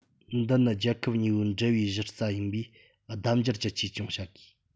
འདི ནི རྒྱལ ཁབ གཉིས པོའི འབྲེལ བའི གཞི རྩ ཡིན པས ལྡབ འགྱུར གྱིས གཅེས སྐྱོང བྱ དགོས